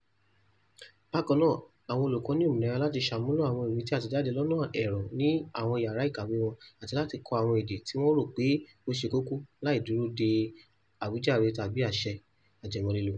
Bákan náà, àwọn olùkọ́ ní omìnira láti ṣe àmúlò àwọn ìwé tí a tẹ̀ jáde lọ́nà ẹ̀rọ ní àwọn iyàrá ìkàwé wọn àti láti kọ́ àwọn èdè tí wọ́n rò pé ó ṣe kókó láì dúró dé àwíjàre tàbí àṣẹ ajẹmọ́ lílò.